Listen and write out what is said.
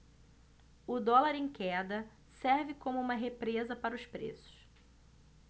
o dólar em queda serve como uma represa para os preços